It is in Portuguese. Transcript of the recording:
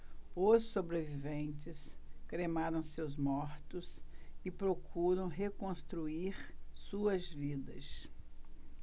os sobreviventes cremaram seus mortos e procuram reconstruir suas vidas